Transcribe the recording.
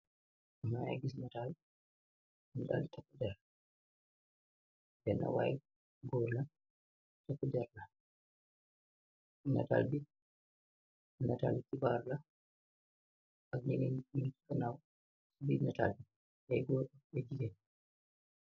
Maage gis nataal nataal takudeer bena waay gór la caku derla nataal bi nataal bi ti baaru la ak ñeneen ñin ci kanaw ci bi nataal bi kay góor ba jileen.